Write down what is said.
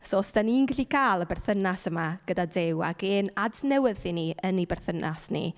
So, os dan ni'n gallu cael y perthynas yma gyda Duw, ac i'n adnewyddu ni yn ei berthynas ni...